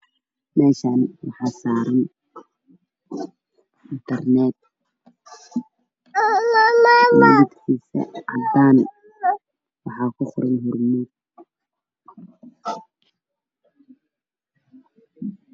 Meeshaan waxaa saaran internet caddaan hormuud midabkiisa waa caddaan miis ayuu saaran yahay gadaalna waa jaallo